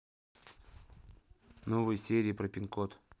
новые серии про пин код